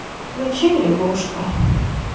включи лягушка